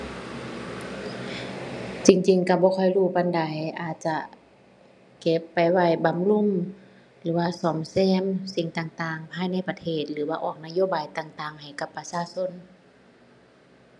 จริงจริงก็บ่ค่อยรู้ปานใด อาจจะเก็บไปไว้บำรุงหรือว่าซ่อมแซมสิ่งต่างต่างภายในประเทศ หรือว่าออกนโยบายต่างต่างให้กับประชาชน